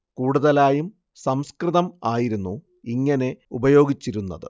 കൂടുതലായും സംസ്കൃതം ആയിരുന്നു ഇങ്ങനെ ഉപയോഗിച്ചിരുന്നത്